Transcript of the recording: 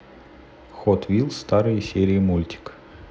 хот вилс старые серии мультик